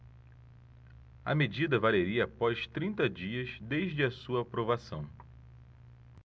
a medida valeria após trinta dias desde a sua aprovação